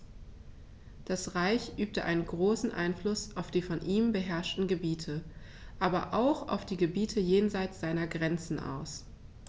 Das Reich übte einen großen Einfluss auf die von ihm beherrschten Gebiete, aber auch auf die Gebiete jenseits seiner Grenzen aus.